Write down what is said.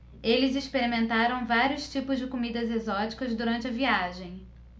eles experimentaram vários tipos de comidas exóticas durante a viagem